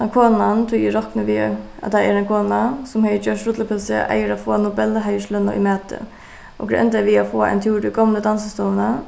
tann konan tí eg rokni við at tað er ein kona sum hevði gjørt rullupylsu eigur at fáa nobelheiðurslønina í mati okur endaði við at fáa ein túr í tí gomlu dansistovuna